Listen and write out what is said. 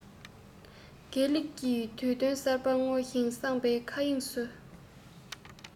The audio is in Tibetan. དགེ ལེགས ཀྱི དུས སྟོན གསར པ སྔོ ཞིང བསངས པའི མཁའ དབྱིངས སུ